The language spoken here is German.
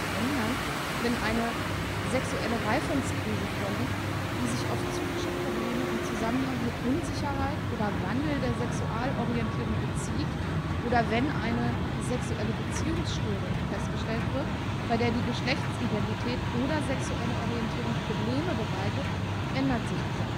ändern, wenn eine „ Sexuelle Reifungskrise “vorliegt, die sich auf psychische Probleme im Zusammenhang mit Unsicherheit oder Wandel der Sexualorientierung bezieht oder wenn eine „ Sexuelle Beziehungsstörung “festgestellt wird, bei der die Geschlechtsidentität oder sexuelle Orientierung Probleme bereitet, ändert sich diese